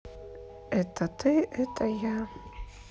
это ты это я